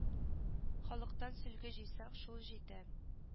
Халыктан сөлге җыйсак шул җитә